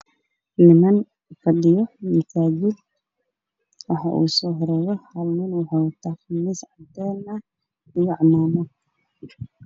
Meeshaan waa masaajid niman ayaa fadhiyaan iyo ilmo isugu jiraan khamiis cadow tahay iyo muuqdo